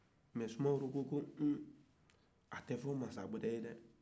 mɛ samaworo ko ko uhuun a tɛ fɔ masa wɛrɛ ye dɛ